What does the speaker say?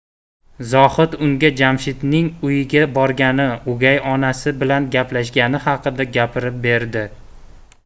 zohid unga jamshidning uyiga borgani o'gay onasi bilan gaplashgani haqida gapirib berdi